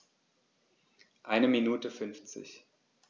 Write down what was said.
Eine Minute 50